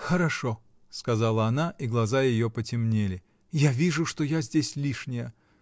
"Хорошо, -- сказала она, и глаза ее потемнели, -- я вижу, что я здесь лишняя!